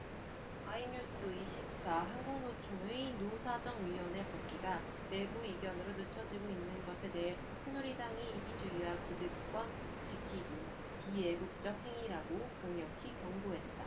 아이뉴스 이십 사 한국노총의 노사정위원회 복귀가 내부 이견으로 늦춰지고 있는 것에 대해 새누리당이 이기주의와 기득권 지키기 비애국적 행위라고 강력히 경고했다